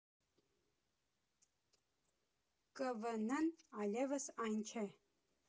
ԿՎՆ֊ն այլևս այն չէ։